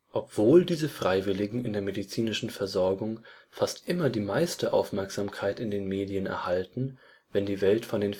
Obwohl diese Freiwilligen in der medizinischen Versorgung fast immer die meiste Aufmerksamkeit in den Medien erhalten, wenn die Welt von den